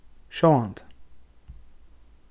sjálvandi